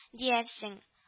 Диярсең